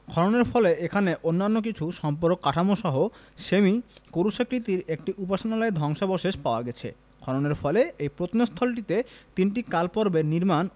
খননের ফলে এখানে অন্যান্য কিছু সম্পূরক কাঠামোসহ সেমি ক্রুশাকৃতির একটি উপাসনালয়ের ধ্বংসাবশেষ পাওয়া গেছে খননের ফলে এ প্রত্নস্থলটিতে তিনটি কালপর্বে নির্মাণ